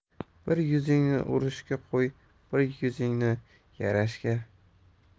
bir yuzingni urushga qo'y bir yuzingni yarashga